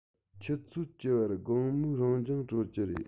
ཆུ ཚོད བཅུ པར དགོང མོའི རང སྦྱོང གྲོལ གྱི རེད